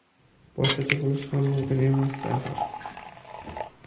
boshqacha bo'lishi ham mumkin emasdi axir